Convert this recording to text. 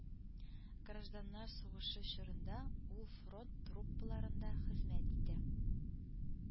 Гражданнар сугышы чорында ул фронт труппаларында хезмәт итә